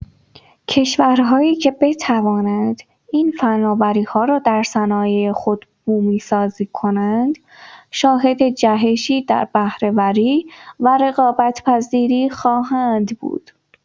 کشورهایی که بتوانند این فناوری‌ها را در صنایع خود بومی‌سازی کنند، شاهد جهشی در بهره‌وری و رقابت‌پذیری خواهند بود.